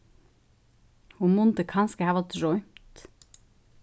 hon mundi kanska hava droymt